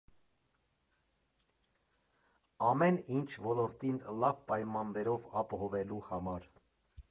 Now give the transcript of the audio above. Ամեն ինչ ոլորտին լավ պայմաններով ապահովելու համար։